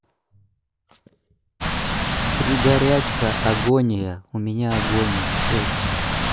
при горячка агония у меня агония песня